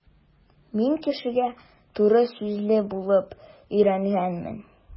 Мин кешегә туры сүзле булып өйрәнгәнмен.